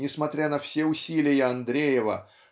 несмотря на все усилия Андреева